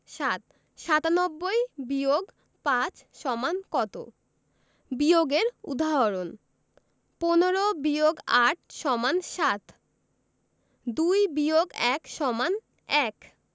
৭ ৯৭-৫ = কত বিয়োগের উদাহরণঃ ১৫ – ৮ = ৭ ২ - ১ =১